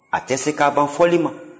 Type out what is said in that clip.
a tɛ se ka ban foli ma